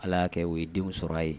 Ala y'a kɛ o ye denw sɔrɔ ye